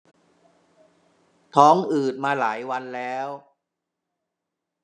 ท้องอืดมาหลายวันแล้ว